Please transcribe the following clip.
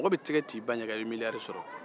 mɔgɔ bɛ tɛgɛ ci i ba ɲɛ kan i bɛ miliyari sɔrɔ